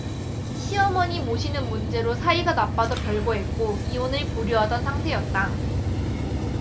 시어머니 모시는 문제로 사이가 나빠져 별거했고 이혼을 고려하던 상태였다